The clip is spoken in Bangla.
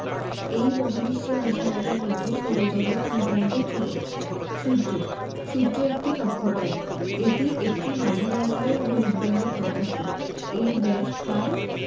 এই মহাবিশ্বের বিশালতার মধ্যে সৌরজগৎ নিতান্তই ছোট সূর্যঃ সূর্য একটি নক্ষত্র এটি একটি মাঝারি আকারের হলুদ বর্ণের নক্ষত্র এর ব্যাস প্রায়